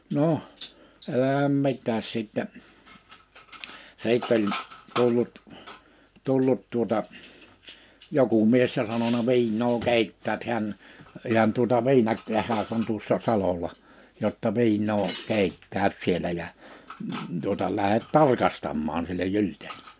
no älä mitään sitten sitten oli tullut tullut tuota joku mies ja sanonut viinaa keittävät heidän ihan tuota - tehdas on tuossa salolla jotta viinaa keittävät siellä ja tuota lähde tarkastamaan sille Gylldenille